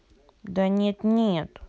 да нет нет